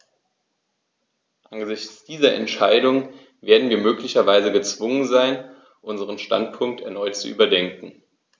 Angesichts dieser Entscheidung werden wir möglicherweise gezwungen sein, unseren Standpunkt erneut zu überdenken.